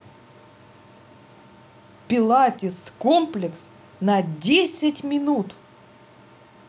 пилатес комплекс на десять минут